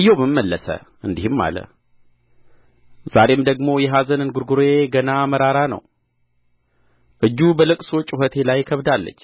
ኢዮብም መለሰ እንዲህም አለ ዛሬም ደግሞ የኅዘን እንጕርጕሮዬ ገና መራራ ነው እጁ በልቅሶ ጩኸቴ ላይ ከብዳለች